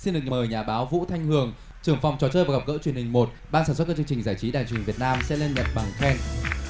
xin được mời nhà báo vũ thanh hường trưởng phòng trò chơi và gặp gỡ truyền hình một ban sản xuất các chương trình giải trí đài truyền hình việt nam sẽ lên nhận bằng khen